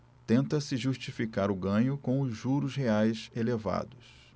tenta-se justificar o ganho com os juros reais elevados